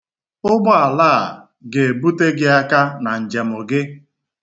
Ụgbọala a ga-ebute gị aka na njem gị.